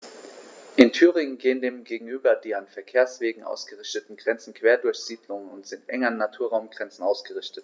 In Thüringen gehen dem gegenüber die an Verkehrswegen ausgerichteten Grenzen quer durch Siedlungen und sind eng an Naturraumgrenzen ausgerichtet.